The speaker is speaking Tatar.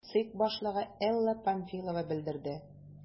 ЦИК башлыгы Элла Памфилова белдерде: